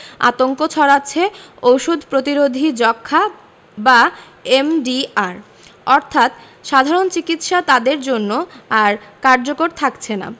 আতঙ্ক ছড়াচ্ছে ওষুধ প্রতিরোধী যক্ষ্মা বা এমডিআর অর্থাৎ সাধারণ চিকিৎসা তাদের জন্য আর কার্যকর থাকছেনা